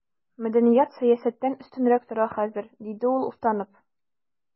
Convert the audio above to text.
Мәдәният сәясәттән өстенрәк тора хәзер, диде ул уфтанып.